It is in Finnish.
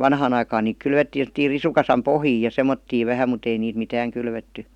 vanhaan aikaan niitä kylvettiin semmoisiin risukasan pohjiin ja semmoisiin vähän mutta ei niitä mitään kylvetty